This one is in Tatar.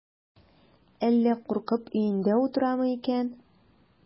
Әллә куркып өендә утырамы икән?